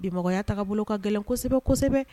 Dimɔgɔya ta bolo ka gɛlɛn kosɛbɛ kosɛbɛ